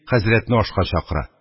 Хәзрәтне ашка чакыра.